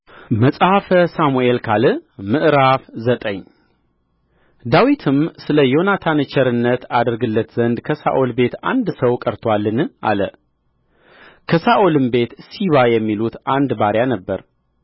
መጽሐፈ ሳሙኤል ካል ምዕራፍ ዘጠኝ ዳዊትም ስለ ዮናታን ቸርነት አደርግለት ዘንድ ከሳኦል ቤት አንድ ሰው ቀርቶአልን አለ ከሳኦልም ቤት ሲባ የሚባል አንድ ባሪያ ነበረ